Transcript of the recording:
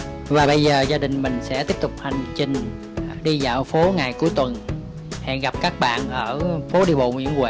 và bây giờ gia đình mình sẽ tiếp tục hành trình đi dạo phố ngày cuối tuần hẹn gặp các bạn ở phố đi bộ nguyễn huệ